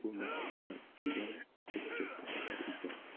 bu maskov degani xo'pam katta shahar ekan